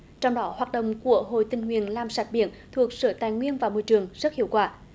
trong đó hoạt động của hội tình nguyện làm sạch biển thuộc sở tài nguyên và môi trường rất hiệu quả